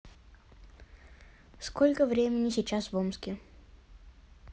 сколько времени сейчас в омске